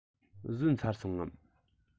ཟོས ཚར སོང ངམ